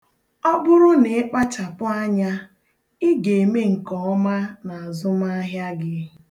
Ọ bụrụ na ịkpachapụ anya, ị ga-eme nke ọma n'azụmahịa gị.